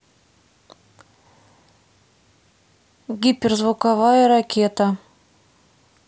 гиперзвуковая ракета